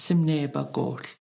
Sim neb ar goll.